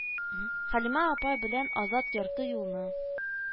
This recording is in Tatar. Хәлимә апа белән Азат ярты юлны